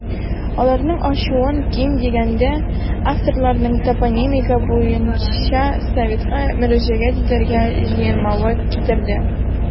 Аларның ачуын, ким дигәндә, авторларның топонимика буенча советка мөрәҗәгать итәргә җыенмавы китерде.